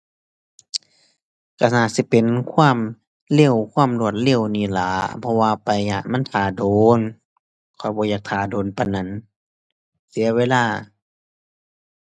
ก็น่าสิเป็นความเร็ว ความรวดเร็วนี่ล่ะ เพราะว่าไปอะมันท่าโดน ข้อยบ่อยากท่าโดนปานนั้น เสียเวลา